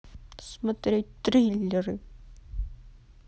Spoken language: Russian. смотреть триллеры